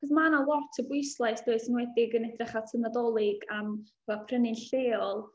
Ma' 'na lot o bwyslais does yn enwedig yn edrych at y Nadolig am fel prynu'n lleol.